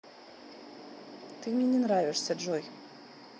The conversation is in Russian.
ты мне не нравишься джой